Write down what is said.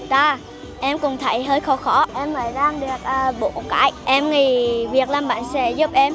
ta em cũng thấy hơi khó khó em mới làm được à bốn cái em nghĩ việc làm bánh sẽ giúp em